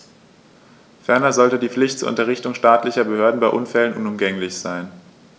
Ferner sollte die Pflicht zur Unterrichtung staatlicher Behörden bei Unfällen unumgänglich sein.